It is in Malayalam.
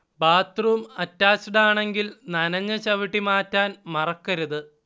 ബാത്റൂം അറ്റാച്ച്ഡാണെങ്കിൽ നനഞ്ഞ ചവിട്ടി മാറ്റാൻ മറക്കരുത്